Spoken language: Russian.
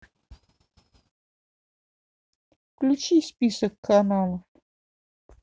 включи список каналов